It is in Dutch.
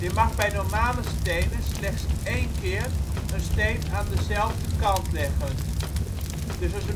mag bij normale stenen slechts 1 keer een steen aan eenzelfde kant leggen. (Dus